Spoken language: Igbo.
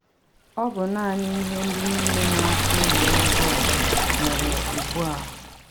Ọ bụ naanị ihe ndị niile na-akụ egwuregwu a nwere ugbu a.